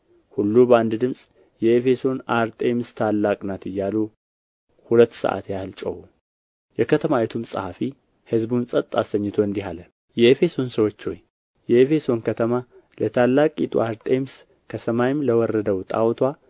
ሁሉ በአንድ ድምፅ የኤፌሶን አርጤምስ ታላቅ ናት እያሉ ሁለት ሰዓት ያህል ጮኹ የከተማይቱም ጸሐፊ ሕዝቡን ጸጥ አሰኝቶ እንዲህ አለ የኤፌሶን ሰዎች ሆይ የኤፌሶን ከተማ ለታላቂቱ አርጤምስ ከሰማይም ለወረደው ጣዖትዋ